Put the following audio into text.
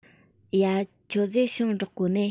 ཡ ཁྱོད ཚོས ཞིང འབྲེག གོ ནིས